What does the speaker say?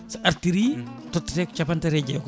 so artiri tottete ko capantati e jeegom